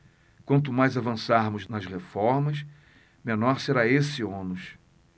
quanto mais avançarmos nas reformas menor será esse ônus